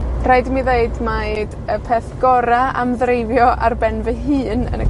Rhaid i mi ddeud mae y peth gora' am ddreifio ar ben fy hun yn y